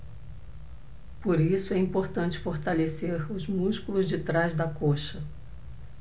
por isso é importante fortalecer os músculos de trás da coxa